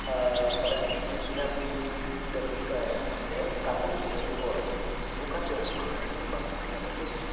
ờ có lẽ chúng em xin được ờ thể hiện một ca khúc mới của vũ cát tường một ca sĩ mà chúng em rất thích